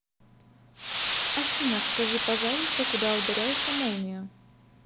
афина скажи пожалуйста куда ударяет молния